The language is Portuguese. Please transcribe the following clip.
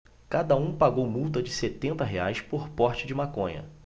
cada um pagou multa de setenta reais por porte de maconha